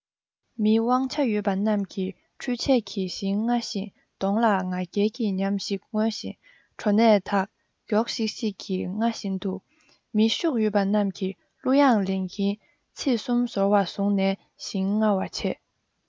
མི དབང ཆ ཡོད པ རྣམས ཀྱིས འཕྲུལ ཆས ཀྱིས ཞིང རྔ བཞིན གདོང ལ ང རྒྱལ གྱི ཉམས ཤིག མངོན བཞིན གྲོ ནས དག མགྱོགས ཤིག ཤིག གིས རྔ བཞིན འདུག མི ཤུགས ཡོད པ རྣམས ཀྱིས གླུ དབྱངས ལེན གྱིན ཚེས གསུམ ཟོར བ བཟུང ནས ཞིང རྔ བར བྱེད